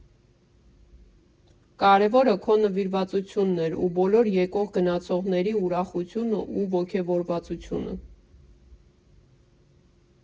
Կարևորը քո նվիրվածությունն էր ու բոլոր եկող֊գնացողների ուրախությունը ու ոգևորվածությունը։